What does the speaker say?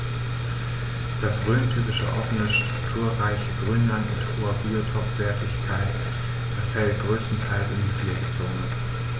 Das rhöntypische offene, strukturreiche Grünland mit hoher Biotopwertigkeit fällt größtenteils in die Pflegezone.